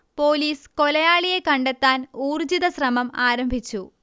police കൊലയാളിയെ കണ്ടെത്താൻ ഊർജ്ജിത ശ്രമം ആരംഭിച്ചു